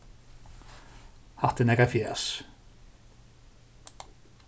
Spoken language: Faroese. hatta er nakað fjas